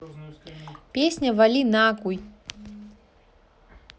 песня вали на хуй